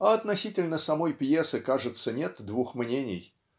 А относительно самой пьесы, кажется, нет двух мнений.